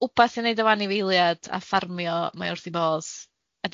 Wbath i neud 'fo anifeiliad a ffarmio mai wrth 'i bodd, a